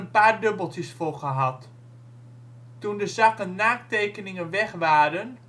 paar dubbeltjes voor gehad. Toen de zakken naakttekeningen weg waren